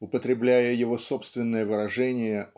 Употребляя его собственное выражение